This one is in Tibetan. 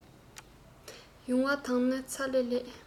ཡུང བ དང ནི ཚ ལེ ལས